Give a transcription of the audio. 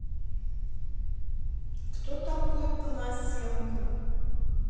кто такой панасенко